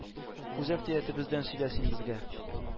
Үз әфтиягебездән сөйлә син безгә,-